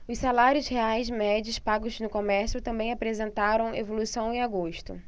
os salários reais médios pagos no comércio também apresentaram evolução em agosto